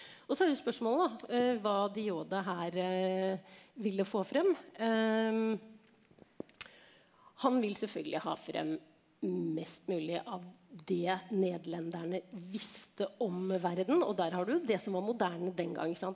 og så er jo spørsmålet da hva de Jode her ville få frem han vil selvfølgelig ha frem mest mulig av det nederlenderne visste om verden og der har du det som var moderne den gang ikke sant.